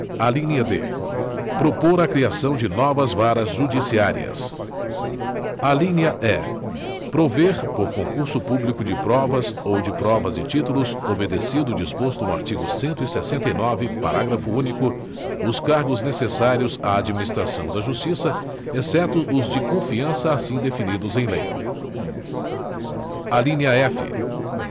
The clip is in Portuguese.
alínea d propor a criação de novas varas judiciárias alínea e prover por concurso público de provas ou de provas e títulos obedecido o disposto no artigo cento e sessenta e nove parágrafo único os cargos necessários à administração da justiça exceto os de confiança assim definidos em lei alínea f